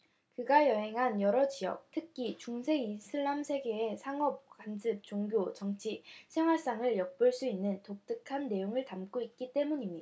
그가 여행한 여러 지역 특히 중세 이슬람 세계의 상업 관습 종교 정치 생활상을 엿볼 수 있는 독특한 내용을 담고 있기 때문입니다